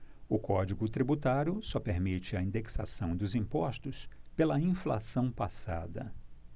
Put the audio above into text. o código tributário só permite a indexação dos impostos pela inflação passada